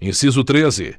inciso treze